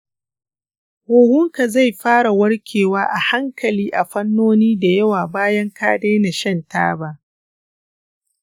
huhunka zai fara warkewa a hankali a fannoni da yawa bayan ka daina shan taba.